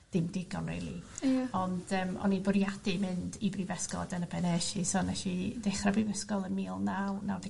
ddim digon rili. Ia. Ond yym o'n i bwriadu mynd i brifysgol a dyna be nesh i so nesh i dechra brifysgol yn mil naw naw deg...